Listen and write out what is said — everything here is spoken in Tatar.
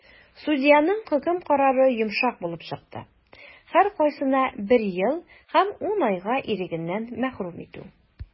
Судьяның хөкем карары йомшак булып чыкты - һәркайсына бер ел һәм 10 айга ирегеннән мәхрүм итү.